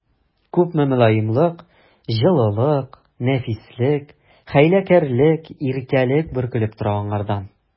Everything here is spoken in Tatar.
Күпме мөлаемлык, җылылык, нәфислек, хәйләкәрлек, иркәлек бөркелеп тора аңардан!